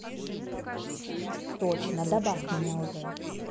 точно добавь меня уже